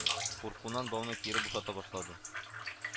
Куркуыннан бауны кире бушата башлады